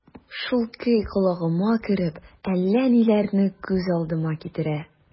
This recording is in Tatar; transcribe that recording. Шул көй колагыма кереп, әллә ниләрне күз алдыма китерә...